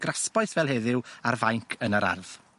grasboeth fel heddiw ar fainc yn yr ardd.